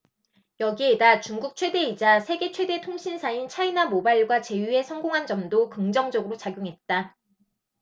여기에다 중국 최대이자 세계 최대 통신사인 차이나모바일과 제휴에 성공한 점도 긍정적으로 작용했다